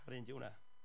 Pa r'un 'di hwnna?